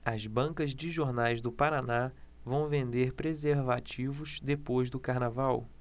as bancas de jornais do paraná vão vender preservativos depois do carnaval